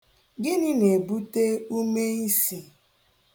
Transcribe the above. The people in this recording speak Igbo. Gịnị na-ebute umeisi?